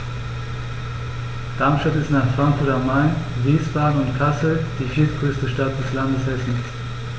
Darmstadt ist nach Frankfurt am Main, Wiesbaden und Kassel die viertgrößte Stadt des Landes Hessen